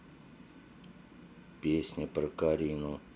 песня про карину